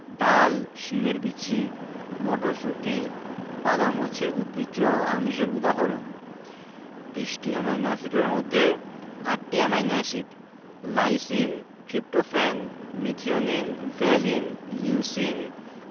ডাল শিমের বিচি মটরশুঁটি বাদাম হচ্ছে উদ্ভিজ্জ আমিষের উদাহরণ ২০টি অ্যামাইনো এসিডের মধ্যে ৮টি amino acid lysine tryptophan methionine valine leucine